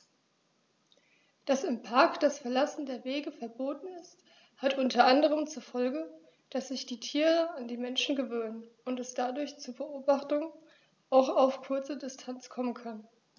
Dass im Park das Verlassen der Wege verboten ist, hat unter anderem zur Folge, dass sich die Tiere an die Menschen gewöhnen und es dadurch zu Beobachtungen auch auf kurze Distanz kommen kann.